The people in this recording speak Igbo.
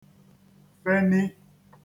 feni